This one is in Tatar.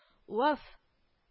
Уав